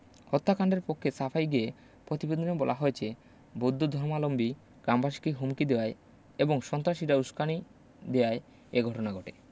হত্যাকাণ্ডের পক্ষে সাফাই গেয়ে পতিবেদনে বলা হয়েছে বৌদ্ধ ধর্মালম্বী গামবাসীকে হুমকি দেওয়ায় এবং সন্ত্রাসীরা উসকানি দেয়ায় এ ঘটনা ঘটে